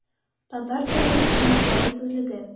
Татар теленең аңлатмалы сүзлеге.